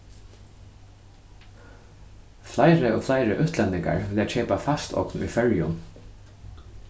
fleiri og fleiri útlendingar vilja keypa fastogn í føroyum